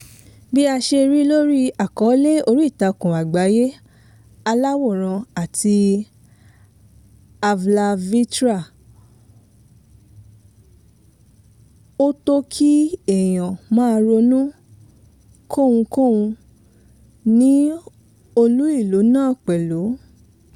Bí a ṣe ríi lórí àkọọ́lẹ̀ oríìtakùn àgbáyé aláwòrán ti avylavitra, ó tọ́ kí èèyàn máa ronú kọ́hunkọ́hun ní olú-ìlú náà pẹ̀lú.